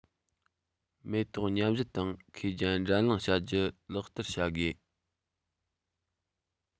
མེ ཏོག མཉམ བཞད དང མཁས བརྒྱ འགྲན གླེང བྱ རྒྱུ ལག བསྟར བྱ དགོས